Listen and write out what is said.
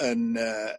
yn y